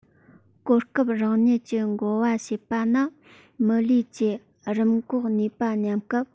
གོ སྐབས རང བཞིན གྱི འགོ བ ཞེས པ ནི མི ལུས ཀྱི རིམས འགོག ནུས པ ཉམས སྐབས